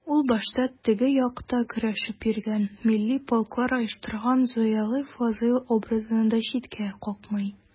Ул башта «теге як»та көрәшеп йөргән, милли полклар оештырган зыялы Фазыйл образын да читкә какмый.